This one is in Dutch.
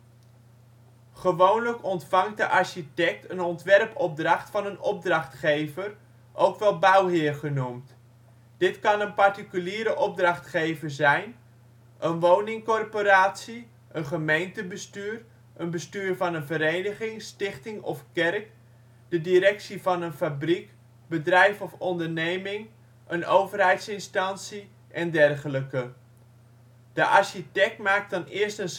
Gewoonlijk ontvangt de architect een ontwerpopdracht van een opdrachtgever, ook bouwheer genoemd. Dit kan een particuliere opdrachtgever zijn, een woningcorporatie, een gemeentebestuur, een bestuur van een vereniging, stichting of kerk, de directie van een fabriek, bedrijf of onderneming, een overheidsinstantie, en dergelijke. De architect maakt dan eerst een